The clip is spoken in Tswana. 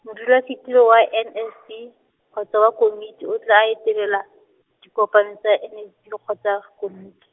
modulasetulo wa N S B, kgotsa wa komiti o tla etelela, dikopano tsa N S B kgotsa, komiti.